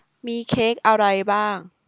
มีเค้กอะไรบ้าง